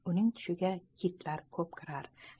uning tushiga kitlar ko'p kirgan